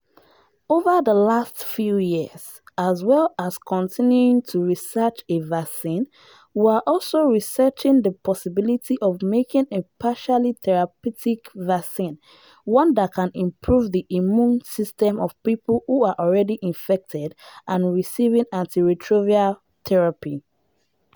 PG: Over the last few years, as well as continuing to research a vaccine, we are also researching the possibility of making a partially therapeutic vaccine, one that can improve the immune system of people who are already infected and are receiving antiretroviral therapy.